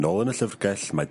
nôl yn y llyfrgell mae...